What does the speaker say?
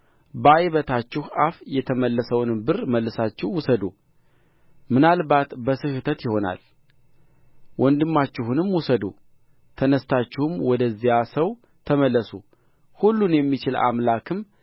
በዓይበታችሁ አፍ የተመለሰውንም ብር መልሳችሁ ውሰዱ ምናልባት በስሕተት ይሆናል ወንድማችሁንም ውሰዱ ተነሥታችሁም ወደዚያ ሰው ተመለሱ ሁሉን የሚችል አምላክም